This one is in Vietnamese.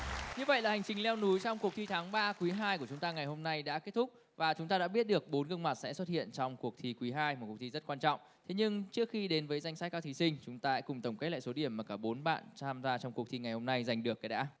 như vậy là hành trình leo núi trong cuộc thi tháng ba quý hai của chúng ta ngày hôm nay đã kết thúc và chúng ta đã biết được bốn gương mặt sẽ xuất hiện trong cuộc thi quý hai một cuộc thi rất quan trọng thế nhưng trước khi đến với danh sách các thí sinh chúng ta hãy cùng tổng kết lại số điểm mà cả bốn bạn tham gia trong cuộc thi ngày hôm nay giành được cái đã